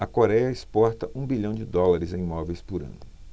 a coréia exporta um bilhão de dólares em móveis por ano